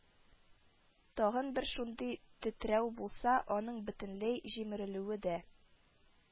Тагын бер шундый тетрәү булса, аның бөтенләй җимерелүе дә